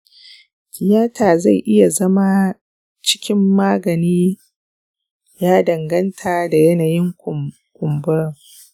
tiyata zai iya zama cikin maganin ya danganta da yanayin kumburin.